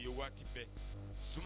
Waati